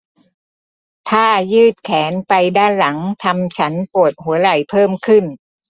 ท่ายืดแขนไปด้านหลังทำฉันปวดหัวไหล่เพิ่มขึ้น